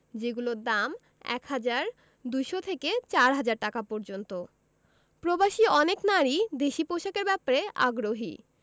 যেগুলোর দাম ১ হাজার ২০০ থেকে ৪ হাজার টাকা পর্যন্ত প্রবাসী অনেক নারীই দেশি পোশাকের ব্যাপারে আগ্রহী